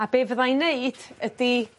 a be' fydda i neud ydi